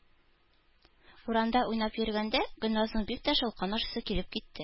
Урамда уйнап йөргәндә Гөльназның бик тә шалкан ашыйсы килеп китте